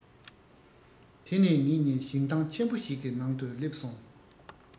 དེ ནས ངེད གཉིས ཞིང ཐང ཆེན པོ ཞིག གི ནང དུ སླེབས སོང